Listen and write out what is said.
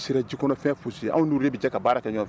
Sire ji kɔnɔfɛn fosi ye anw n'u de bi jɛ ka baara kɛ ɲɔɔn fɛ